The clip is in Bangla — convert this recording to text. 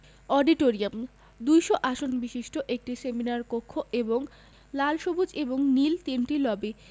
অডিটোরিয়াম ২০০ আসন বিশিষ্ট একটি সেমিনার কক্ষ এবং লাল সবুজ এবং নীল তিনটি লবি